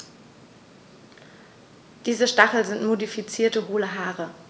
Diese Stacheln sind modifizierte, hohle Haare.